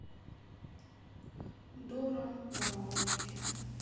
дора караоке